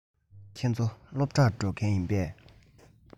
ཁྱེད ཚོ སློབ གྲྭར འགྲོ མཁན ཡིན པས